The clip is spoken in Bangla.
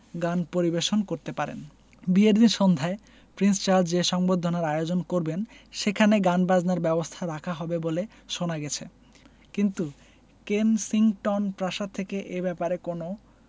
গান পরিবেশন করতে পারেন বিয়ের দিন সন্ধ্যায় প্রিন্স চার্লস যে সংবর্ধনার আয়োজন করবেন সেখানে গানবাজনার ব্যবস্থা রাখা হবে বলে শোনা গেছে কিন্তু কেনসিংটন প্রাসাদ থেকে এ ব্যাপারে কোনো